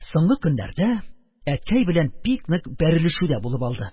Соңгы көннәрдә әткәй белән бик нык бәрелешү дә булып алды.